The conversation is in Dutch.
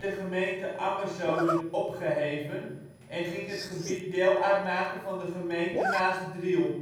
gemeente Ammerzoden opgeheven en ging het gebied deel uitmaken van de gemeente Maasdriel